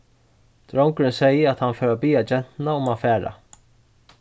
drongurin segði at hann fór at biðja gentuna um at fara